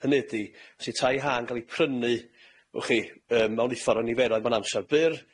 Hynny ydi, os 'di tai ha'n ca'l 'i prynu, w'ch chi, yym mewn uffar o niferoedd mewn amsar byr,